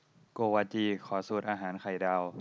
โกวาจีขอสูตรอาหารไข่ดาว